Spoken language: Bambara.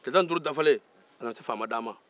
tile tan ni duuru dafalen a nana se faama da ma